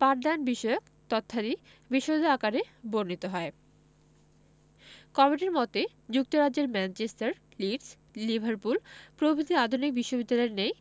পাঠদানবিষয়ক তথ্যাদি বিশদ আকারে বর্ণিত হয় কমিটির মতে যুক্তরাজ্যের ম্যানচেস্টার লিডস লিভারপুল প্রভৃতি আধুনিক বিশ্ববিদ্যালয়ের ন্যায়